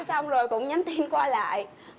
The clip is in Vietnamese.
thế xong rồi cũng nhắn tin qua lại